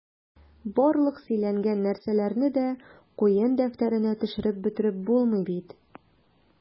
Барлык сөйләнгән нәрсәләрне дә куен дәфтәренә төшереп бетереп булмый бит...